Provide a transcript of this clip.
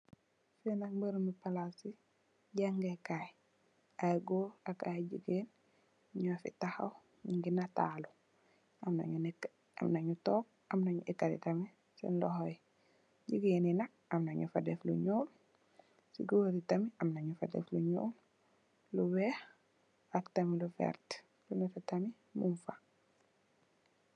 Fi nak mbèreèm mu palaas ci jangeekaay. Ay gòor ak ay jigèen nyo fi tahaw ñungi natalu amna nu nekk, amna nu toog, amna nu ekati tamit senn loho yi. Jigéen yi nak amna nu fa def lu ñuul. Ci gòor yi tamit amna nu fa deff lu ñuul, lu weeh ak tamit lu vert, lu nètè tamit mung fa.